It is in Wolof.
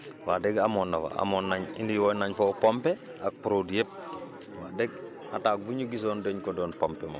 wax dëgg amoon na fa amoon nañ indi woon nañ foofu pomper ak produit yëpp wax dëgg attaque bu ñu gisoon dañ ko doon pomper moom